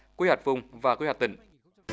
quy hoạch vùng và quy hoạch tỉnh